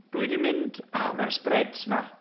Dwi di mynd... Ych, mae'r spreads yma.